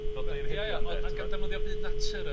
Fel diharebion... Ie, ie ond gan ddefnyddio byd natur?